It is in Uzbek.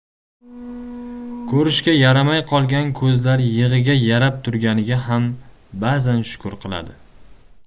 ko'rishga yaramay qolgan ko'zlar yig'iga yarab turganiga ham ba'zan shukr qiladi